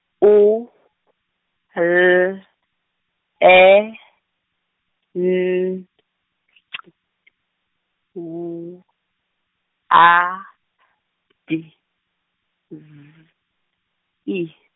U , L, E, N , C, W, A , D, Z, E.